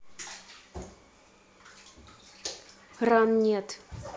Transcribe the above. ран нет